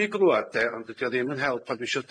fi glŵad 'de ond dydi o ddim yn help pan dwi sho